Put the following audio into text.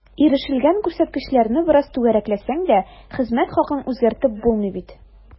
Ирешелгән күрсәткечләрне бераз “түгәрәкләсәң” дә, хезмәт хакын үзгәртеп булмый бит.